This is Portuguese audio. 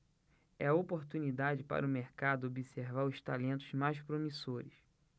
é a oportunidade para o mercado observar os talentos mais promissores